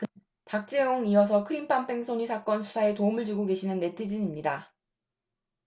박재홍 이어서 크림빵 뺑소니 사건 수사에 도움을 주시고 계시는 네티즌입니다